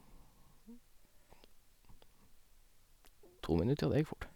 To minutter, ja, det gikk fort.